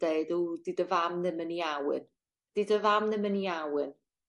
deud *w 'di dy fam ddim yn iawyn. 'Di dy fam ddim yn iawyn.